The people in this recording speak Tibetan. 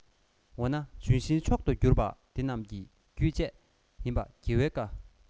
འོ ན ལྗོན ཤིང མཆོག ཏུ འགྱུར པ དེ རྣམས ཀྱི རྒྱུད བཅས ཡིན པ རྒྱལ བའི བཀའ